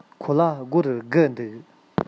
ཁོ ལ སྒོར དགུ འདུག